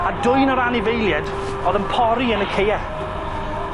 a dwyn yr anifeilied o'dd yn pori yn y ceie.